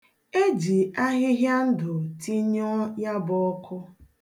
E ji ahịhịa ndụ tinyụọ ya bụ ọkụ